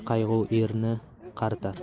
qayg'u erni qaritar